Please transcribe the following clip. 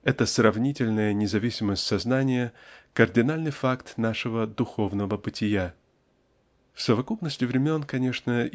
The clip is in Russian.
Эта сравнительная независимость сознания -- кардинальный факт нашего духовного бытия. В совокупности времен конечно